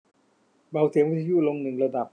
เบาเสียงวิทยุลงหนึ่งระดับ